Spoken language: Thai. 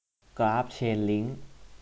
กราฟเชนลิ้ง